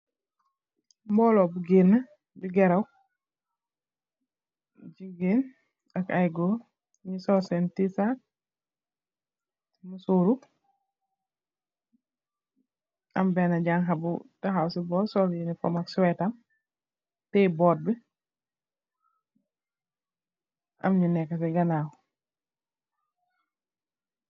Mbuloh gigeen ak goor di gerew nyunge sul sen t-shirt musoroh ameh bena janha bu tahaw si bus sul sweather teyeh board bi amlu nekah si ganaw